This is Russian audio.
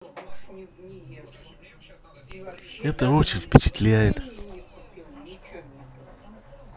это очень впечатляет